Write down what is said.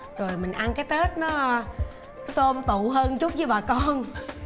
rồi mình ăn cái tết nó xôm tụ hơn chút với bà con